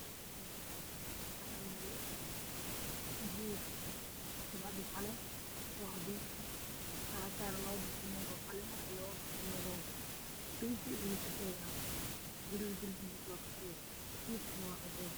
Waa qol waxaa yaalla sariir cadaan joodari ayaa saaran laba markan ayaa saaran kuwa meydiin ayaa geesaha ka taallo